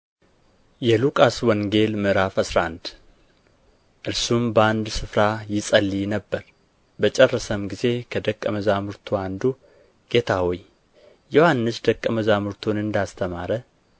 የሉቃስ ወንጌል ምዕራፍ አስራ አንድ እርሱም በአንድ ስፍራ ይጸልይ ነበር በጨረሰም ጊዜ ከደቀ መዛሙርቱ አንዱ ጌታ ሆይ ዮሐንስ ደቀ መዛሙርቱን እንዳስተማረ